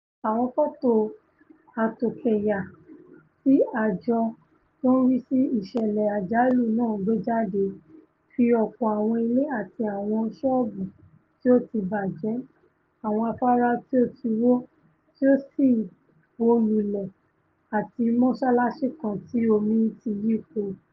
Àwọn fọ́tò àtòkèya tí àjọ tó ńrísí ìṣẹ̀lẹ àjálù náà gbéjáde fi ọ̀pọ̀ àwọn ilé àti àwọn sọ́ọ̀bù tí o ti bàjẹ́, àwọn afárá tí ó ti wọ́ tí ó sì wọ́ lulẹ̀ àti mọ́sálásí kan tí omi ti yípo.